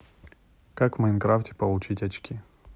как в майнкрафте получить очки